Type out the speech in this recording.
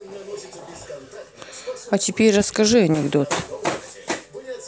а теперь расскажи анекдот